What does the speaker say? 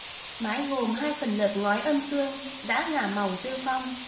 mái gồm hai phần lợp ngói âm dương đã ngả màu rêu phong